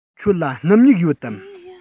ཁྱོད ལ སྣུམ སྨྱུག ཡོད དམ